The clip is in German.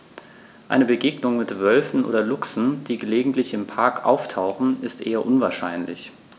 Eine Begegnung mit Wölfen oder Luchsen, die gelegentlich im Park auftauchen, ist eher unwahrscheinlich.